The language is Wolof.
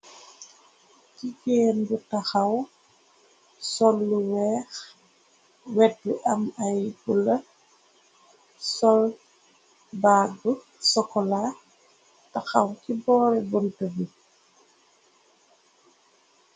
Jigéen bu taxaw solluweex wetu am ay bu la sol bagg sokola taxaw ci boore buntu bi.